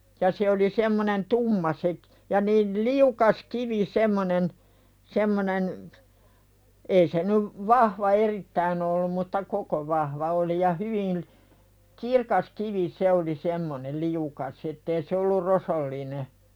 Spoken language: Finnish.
ja se oli semmoinen tumma se - ja niin liukas kivi semmoinen semmoinen ei se nyt vahva erittäin ollut mutta koko vahva oli ja hyvin kirkas kivi se oli semmoinen liukas ettei se ollut rosoinen